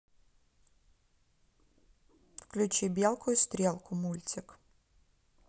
включи белку и стрелку мультик